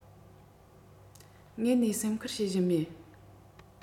དངོས ནས སེམས ཁུར བྱེད བཞིན མེད